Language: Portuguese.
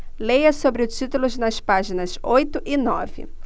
leia sobre o título nas páginas oito e nove